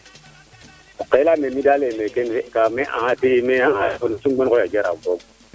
o qoye leyame mi daal e meeke im fe ka me axa te cungim xooya Diaraf boog